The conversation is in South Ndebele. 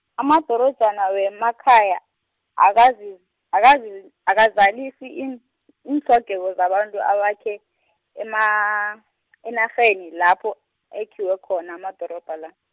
amadorojana wemakhaya, akazi, akazi, akazalisi iin- iintlhogeko zabantu abakhe, ema- enarheni lapho, ekhiwe khona amadrobha la.